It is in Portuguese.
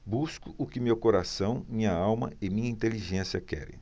busco o que meu coração minha alma e minha inteligência querem